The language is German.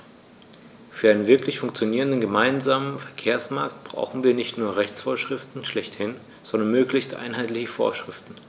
Für einen wirklich funktionierenden gemeinsamen Verkehrsmarkt brauchen wir nicht nur Rechtsvorschriften schlechthin, sondern möglichst einheitliche Vorschriften.